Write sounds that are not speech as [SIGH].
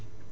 [HESITATION] [HESITATION]